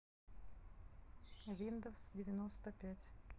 windows девяносто пять